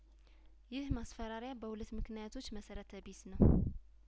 ይህ ማስፈራሪያ በሁለት ምክንያቶች መሰረተቢስ ነው